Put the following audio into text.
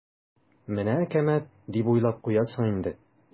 "менә әкәмәт" дип уйлап куясың инде.